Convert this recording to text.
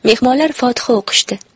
mehmonlar fotiha o'qishdi